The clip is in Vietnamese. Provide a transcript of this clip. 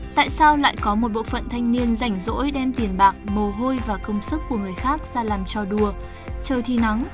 tại sao lại có một bộ phận thanh niên rảnh rỗi đem tiền bạc mồ hôi và công sức của người khác ra làm cho đùa trời thì nắng